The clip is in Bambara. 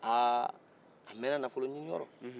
ah a mɛna nafolo ɲinin yɔrɔ